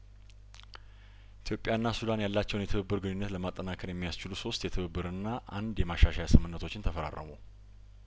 ኢትዮጵያና ሱዳን ያላቸውን የትብብር ግንኙነት ለማጠናከር የሚያስችሉ ሶስት የትብብርና አንድ የማሻሻያ ስምምነቶችን ተፈራረሙ